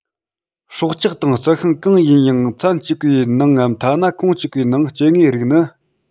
སྲོག ཆགས དང རྩི ཤིང གང ཡིན ཡང ཚན གཅིག པའི ནང ངམ ཐ ན ཁོངས གཅིག པའི ནང སྐྱེ དངོས རིགས ནི